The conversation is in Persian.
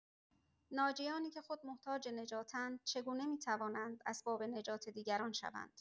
ناجیانی که خود محتاج نجاتند، چگونه می‌توانند اسباب نجات دیگران شوند!